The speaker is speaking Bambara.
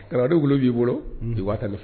Kalandenwwula b'i bolo b waa ta